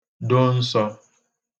do nsọ